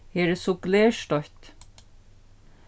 her er so glerstoytt